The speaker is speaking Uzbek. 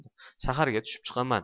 shaharga tushib chiqaman